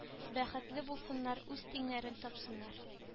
Бәхетле булсыннар үз тиңнәрен тапсыннар